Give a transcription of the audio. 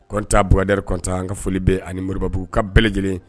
Kɔntan b budri kɔntan an ka foli bɛ ani moribabugu ka bɛɛ lajɛlen